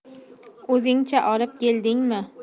o'zingcha olib keldingmi